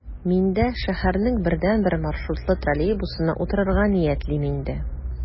Мин дә шәһәрнең бердәнбер маршрутлы троллейбусына утырырга ниятлим инде...